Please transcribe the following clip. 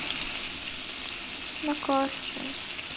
на карте